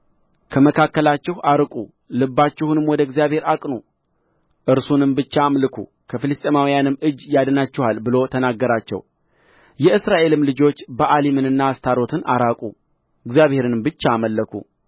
ከመካከላችሁ አርቁ ልባችሁንም ወደ እግዚአብሔር አቅኑ እርሱንም ብቻ አምልኩ ከፍልስጥኤማውያንም እጅ ያድናችኋል ብሎ ተናገራቸው የእስራኤልም ልጆች በኣሊምንና አስታሮትን አራቁ እግዚአብሔርንም ብቻ አመለኩ